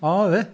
O, ife?